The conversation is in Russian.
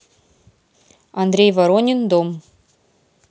андрей воронин дом